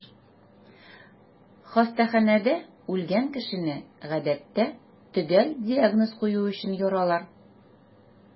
Хастаханәдә үлгән кешене, гадәттә, төгәл диагноз кую өчен яралар.